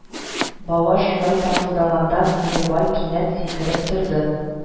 Бала шулай такылдаганда Миңлебай кинәт сикереп торды